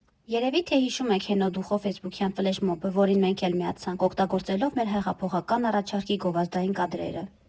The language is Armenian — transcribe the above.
Երևի թե հիշում եք հենոդուխով ֆեյսբուքյան ֆլեշմոբը, որին մենք էլ միացանք՝ օգտագործելով մեր «Հեղափոխական առաջարկի» գովազդային կադրերը։